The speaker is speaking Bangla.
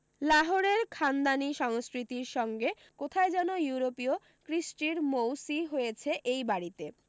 লাহোরের খানদানি সংস্কৃতির সঙ্গে কোথায় যেন ইউরোপীয় কৃষ্টির মৌ সি হয়েছে এই বাড়ীতে